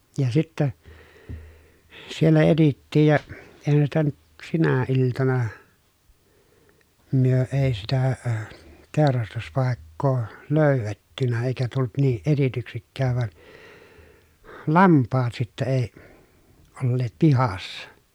ja sitten siellä etsittiin ja eihän sitä nyt sinä iltana me ei sitä - teurastuspaikkaa löydetty eikä tullut niin etsityksikään vaan lampaat sitten ei olleet pihassa